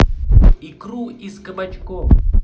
икру из кабачков